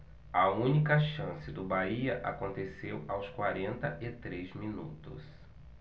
a única chance do bahia aconteceu aos quarenta e três minutos